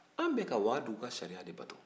an bɛ ka wagadugu ka sariya labato